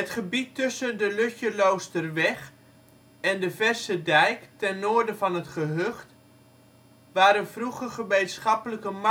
gebied tussen de Lutjeloosterweg en de Verschedijk ten noorden van het gehucht waren vroeger gemeenschappelijke